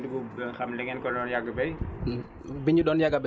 si yéen seen bos yi yéen seen dugub bi nga xam ne dangeen ko doon yàgg a béy